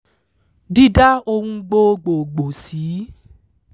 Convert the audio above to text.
Dídá Ohùn Gbogboògbò Sí i